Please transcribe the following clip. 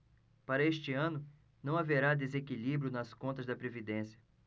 para este ano não haverá desequilíbrio nas contas da previdência